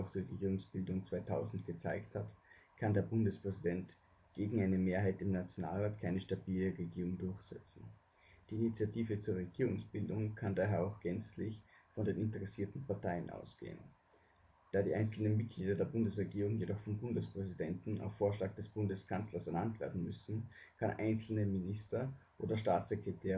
Regierungsbildung 2000 gezeigt hat, kann der Bundespräsident gegen eine Mehrheit im Nationalrat keine stabile Regierung durchsetzen. Die Initiative zur Regierungsbildung kann daher auch gänzlich von den interessierten Parteien ausgehen. Da die einzelnen Mitglieder der Bundesregierung jedoch vom Bundespräsidenten - auf Vorschlag des Bundeskanzlers - ernannt werden müssen, kann er einzelne Minister oder Staatssekretäre